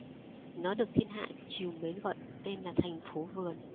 nó được thiên hạ trìu mến gọi tên là thành phố vườn